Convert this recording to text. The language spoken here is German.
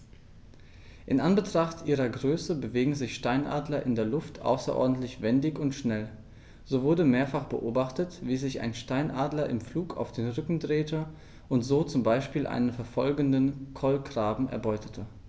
In Anbetracht ihrer Größe bewegen sich Steinadler in der Luft außerordentlich wendig und schnell, so wurde mehrfach beobachtet, wie sich ein Steinadler im Flug auf den Rücken drehte und so zum Beispiel einen verfolgenden Kolkraben erbeutete.